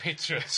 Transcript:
Patriots.